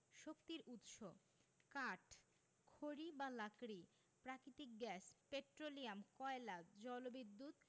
শক্তির উৎসঃ কাঠ খড়ি বা লাকড়ি প্রাকৃতিক গ্যাস পেট্রোলিয়াম কয়লা জলবিদ্যুৎ